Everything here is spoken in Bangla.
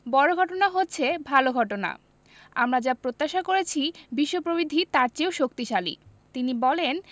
বড় ঘটনা হচ্ছে ভালো ঘটনা আমরা যা প্রত্যাশা করেছি বিশ্ব প্রবৃদ্ধি তার চেয়েও শক্তিশালী তিনি বলেন